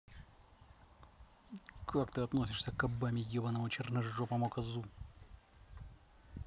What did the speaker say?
как ты относишься к обаме ебаному черножопому козу